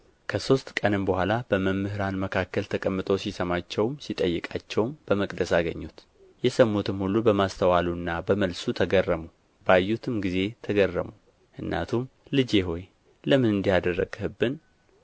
ከሦስት ቀንም በኋላ በመምህራን መካከል ተቀምጦ ሲሰማቸውም ሲጠይቃቸውም በመቅደስ አገኙት የሰሙትም ሁሉ በማስተዋሉና በመልሱ ተገረሙ ባዩትም ጊዜ ተገረሙ እናቱም ልጄ ሆይ ለምን እንዲህ አደረግህብን